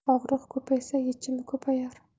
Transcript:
og'riq ko'paysa emchi ko'payar